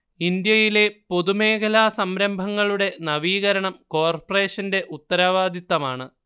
ഇന്ത്യയിലെ പൊതുമേഖലാ സംരംഭങ്ങളുടെ നവീകരണം കോർപ്പറേഷന്റെ ഉത്തരവാദിത്തമാണ്